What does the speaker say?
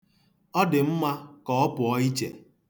Ọ dị mma ka ọ pụọ iche.